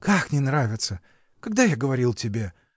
— Как не нравится: когда я говорил тебе?